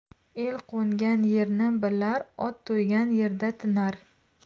el qo'ngan yerni bilar ot to'ygan yerda tinar